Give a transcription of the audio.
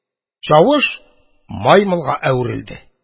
Чавыш маймылга әверелде.